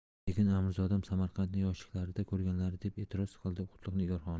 lekin amirzodam samarqandni yoshliklarida ko'rganlar deb etiroz qildi qutlug' nigor xonim